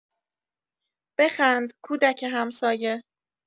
بخند کودک همسایه